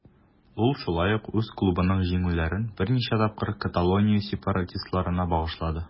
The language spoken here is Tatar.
Ул шулай ук үз клубының җиңүләрен берничә тапкыр Каталония сепаратистларына багышлады.